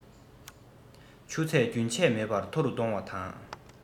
ཆུ ཚད རྒྱུན ཆད མེད པར མཐོ རུ གཏོང བ དང